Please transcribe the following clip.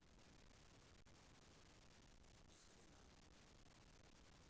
ни хрена